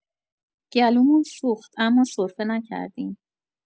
گلومون سوخت اما سرفه نکردیم.